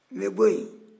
n bɛ bɔ yen